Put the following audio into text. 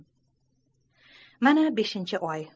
mana beshinchi oy